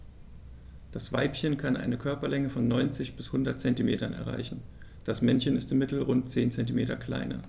Das Weibchen kann eine Körperlänge von 90-100 cm erreichen; das Männchen ist im Mittel rund 10 cm kleiner.